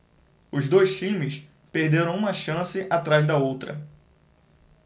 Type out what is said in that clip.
os dois times perderam uma chance atrás da outra